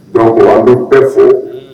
Don an bɛ bɛɛ fo